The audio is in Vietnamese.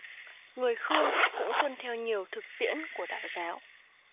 người khương cũng tuân theo nhiều thực tiễn của đạo giáo